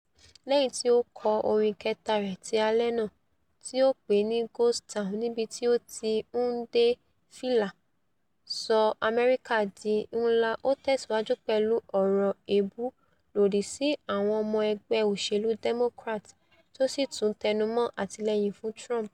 Lẹ́yìn tí ó kọ orin ìkẹta rẹ̀ ti alẹ́ náà, tí ó pè ni Ghost Town níbi ti o ti ńdé fila Sọ Amẹrika Di Ńlà, ó tẹ̀síwájú pẹ̀lú ọ̀rọ̀ èébu lòdí sí àwọn ọmọ ẹgbẹ́ òṣèlú Democrats tí o sì tún tẹnumọ́ àtìlẹ́yìn fún Trump.